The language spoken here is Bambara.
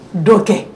Dɔ kɛ